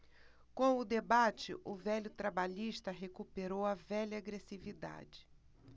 com o debate o velho trabalhista recuperou a velha agressividade